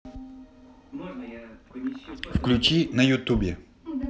включи на ютубе